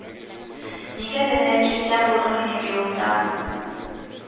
Нигә генә киртә булдың минем юлымда